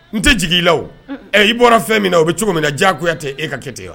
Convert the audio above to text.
N te jigi i la o unh ɛ i bɔra fɛn minna o be cogomin na diyagoya te e ka kɛ ten a